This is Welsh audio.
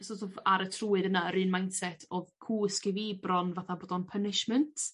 yn so't of ar y trywydd yna yr un mind set odd cwsg i fi bron fatha bod o'n punishment